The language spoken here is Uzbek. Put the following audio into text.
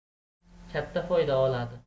katta foyda oladi